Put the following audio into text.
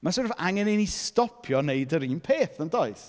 Ma' sort of angen i ni stopio wneud yr un peth yn does?